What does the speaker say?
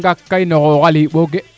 o ɓaak kay no xooxa liɓoge